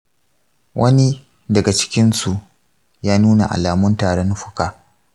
wani daga cikinsu ya nuna alamun tarin fuka?